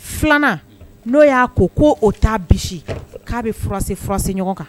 Filanan n'o y'a ko ko o' k'a bɛsi ɲɔgɔn kan